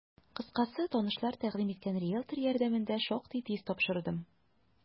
Кыскасы, танышлар тәкъдим иткән риелтор ярдәмендә шактый тиз тапшырдым.